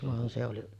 vaan se oli